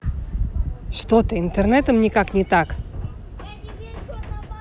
что ты интернетом никак не так